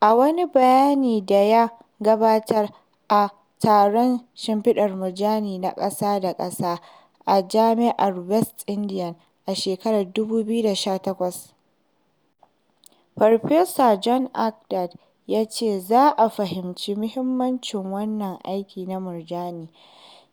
A wani bayani da ya gabatar a taron shimfiɗar murjani na ƙasa da ƙasa a Jami'ar West Indies a shekarar 2018, Farfesa John Agard ya ce za a fahimci muhimmancin wannan aiki na murjani